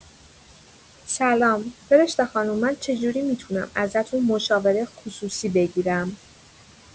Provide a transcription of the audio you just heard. سلام، فرشته خانوم من چجوری می‌تونم ازتون مشاوره خصوصی بگیرم؟